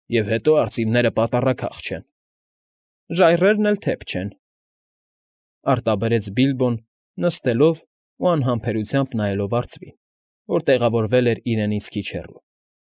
Եվ հետո, արծիվները պատառաքաղ չեն։ ֊ Ժայռերն էլ թեփ չեն… Օ՜յ…֊ արտաբերեց Բիլբոն, նստելով ու անհամբերությամբ նայելով արծվին, որ տեղավորվել էր իրենից քիչ հեռու։